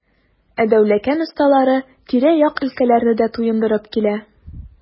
Ә Дәүләкән осталары тирә-як өлкәләрне дә туендырып килә.